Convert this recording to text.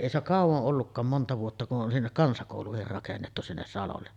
ei se ole kauan ollutkaan monta vuotta kun on sinne kansakoulukin rakennettu sinne salolle